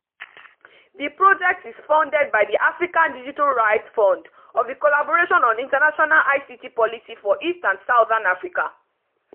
The project is funded by the Africa Digital Rights Fund of The Collaboration on International ICT Policy for East and Southern Africa.